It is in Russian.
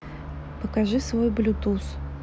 покажи свой bluetooth